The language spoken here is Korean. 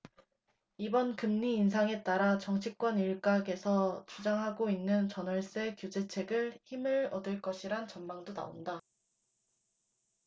이번 금리인상에 따라 정치권 일각에서 주장하고 있는 전월세 규제책이 힘을 얻을 것이란 전망도 나온다